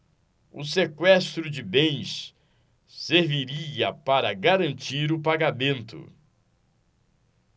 o sequestro de bens serviria para garantir o pagamento